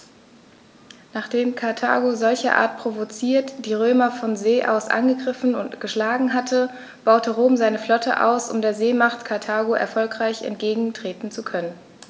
Nachdem Karthago, solcherart provoziert, die Römer von See aus angegriffen und geschlagen hatte, baute Rom seine Flotte aus, um der Seemacht Karthago erfolgreich entgegentreten zu können.